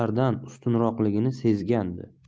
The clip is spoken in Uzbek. anvardan ustunroqligini segandi